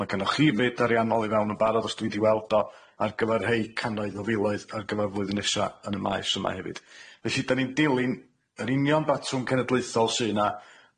ma' gynnoch chi fid ariannol i fewn yn barod os dwi'n di weld o ar gyfer rhei cannoedd o filoedd ar gyfar flwyddyn nesa yn y maes yma hefyd felly da ni'n dilyn yr union batrwm cenedlaethol sy yna,